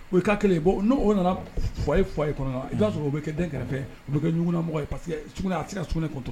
U i ka kelen n' o nana fa faye kɔnɔ i'a sɔrɔ u bɛ kɛ den kɛrɛfɛ olu kɛmɔgɔ ye a se ka sun kotu